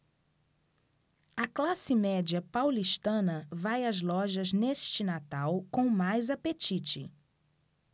a classe média paulistana vai às lojas neste natal com mais apetite